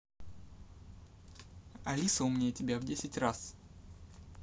алиса умнее тебя в десять раз